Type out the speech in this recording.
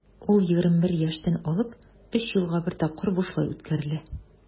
Ул 21 яшьтән алып 3 елга бер тапкыр бушлай үткәрелә.